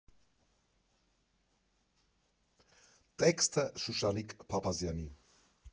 Տեքստը՝ Շուշանիկ Փափազյանի։